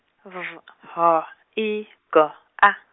V H I G A.